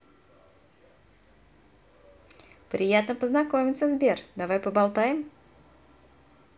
приятно познакомиться сбер давай поболтаем